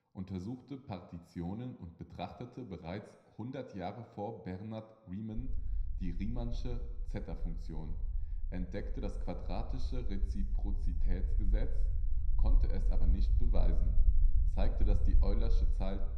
untersuchte Partitionen und betrachtete bereits hundert Jahre vor Bernhard Riemann die Riemannsche Zeta-Funktion. Er entdeckte das quadratische Reziprozitätsgesetz (konnte es aber nicht beweisen), zeigte, dass die eulersche Zahl